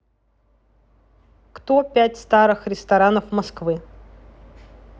кто пять старых ресторанов москвы